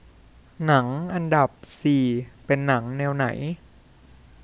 หนังอันดับสี่เป็นหนังแนวไหน